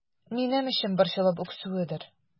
Минем өчен борчылып үксүедер...